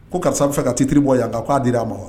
Ko karisa bɛfɛ ka titre bɔ yan ka, k'a dir'a ma wa